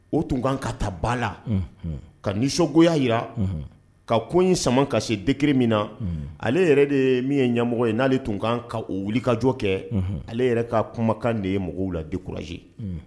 O tun kan ka taa ba la ka nisɔn nisɔngoya jirara ka ko in sama ka se diki min na ale yɛrɛ de min ye ɲamɔgɔ ye n'ale tun kan ka o wuli kajɔ kɛ ale yɛrɛ ka kumakan de ye mɔgɔw la dekkurae